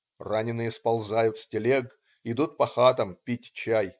Раненые сползают с телег, идут по хатам пить чай.